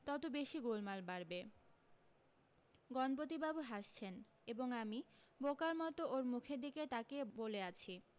তত বেশী গোলমাল বাড়বে গণপতিবাবু হাসছেন এবং আমি বোকার মতো ওর মুখের দিকে তাকিয়ে বলে আছি